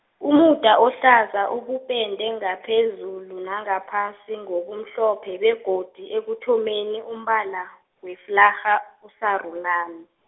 umuda ohlaza, ubupente ngaphezulu nangaphasi ngokumhlophe, begodu ekuthomeni umbala, weflarha, usarulani.